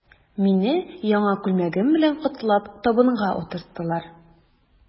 Мине, яңа күлмәгем белән котлап, табынга утырттылар.